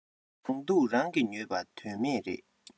རང སྡུག རང གིས ཉོས པ དོན མེད རེད